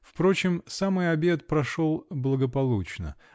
Впрочем, самый обед прошел благополучно.